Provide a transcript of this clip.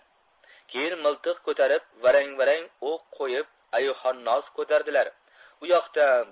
keyin miltiq ko'tarib varang varang o'q qo'yib ayyuhannos ko'tardilar